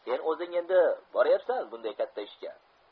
sen o'zing endi boryapsan bunday katta ishga